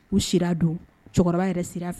U sira don cɛkɔrɔba yɛrɛ sira fɛ